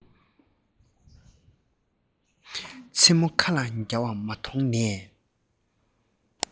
མཚན མོ མཁའ ལ རྒྱུ བ མ མཐོང ནས